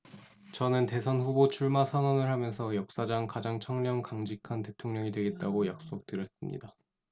저는 대선 후보 출마 선언을 하면서 역사상 가장 청렴 강직한 대통령이 되겠다고 약속 드렸습니다